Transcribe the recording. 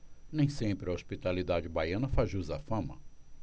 nem sempre a hospitalidade baiana faz jus à fama